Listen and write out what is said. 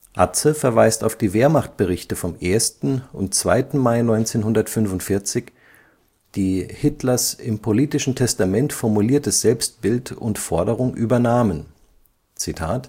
Atze verweist auf die Wehrmachtberichte vom 1. und 2. Mai 1945, die Hitlers im politischen Testament formuliertes Selbstbild und Forderung übernahmen: „ Am